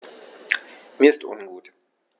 Mir ist ungut.